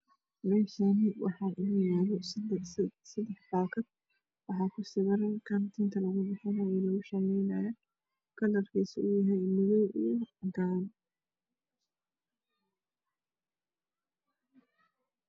Meeshaan waxaa inoo yaala seddex baakad waxaa kusawiran kan tinta lugu shanleynaayo oo madow ah.